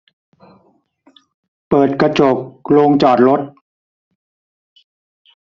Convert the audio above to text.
เปิดกระจกโรงจอดรถ